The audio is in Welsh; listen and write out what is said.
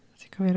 Ti'n cofio'r...